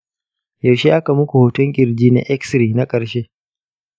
yaushe aka muku hoton ƙirji na x-ray na ƙarshe?